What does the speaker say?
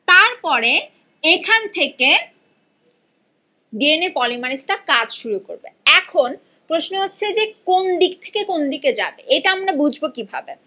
তারপরে এখান থেকে ডিএনএ পলিমারেজ টা কাজ শুরু করবে এখন প্রশ্ন হচ্ছে যে কোন দিক থেকে কোন দিকে যাবে এটা আমরা বুঝবো কিভাবে